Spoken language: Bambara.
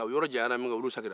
u yɔrɔ janyana min kɛ olu seginna